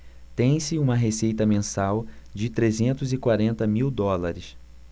tem-se uma receita mensal de trezentos e quarenta mil dólares